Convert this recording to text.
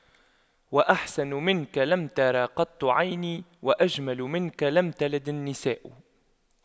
وأحسن منك لم تر قط عيني وأجمل منك لم تلد النساء